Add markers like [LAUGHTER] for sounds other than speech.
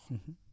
[HESITATION] [HESITATION]